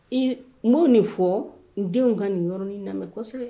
I ye mun de fɔ u denw ka na